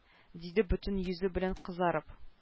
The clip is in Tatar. Диде бөтен йөзе белән кызарып